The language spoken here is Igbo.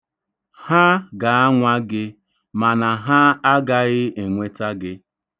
Ha ga-anwa gị, mana ha agaghị enweta gị.